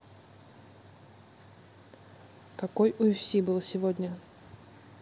какой ufc был сегодня